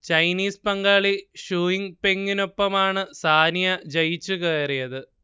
Chinese പങ്കാളി Shuai പെങ്ങിനൊപ്പമാണ് സാനിയ ജയിച്ചുകയറിയത്